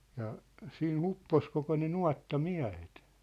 ja siinä upposi koko ne nuottamiehet